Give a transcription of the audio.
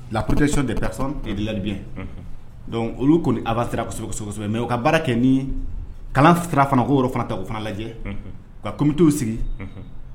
La protecton des personnes et de leurs biens, donc olu kɔni avancera kosɛbɛ mais o ka baara kɛ ni kanlan sira fana o yɔrɔ fana ta k'o fana lajɛ, unhun, ka comités sigi, unhun